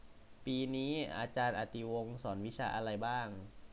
ปีนี้อาารย์อติวงศ์สอนวิชาอะไรบ้าง